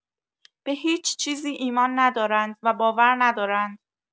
به هیچ چیزی ایمان ندارند و باور ندارند.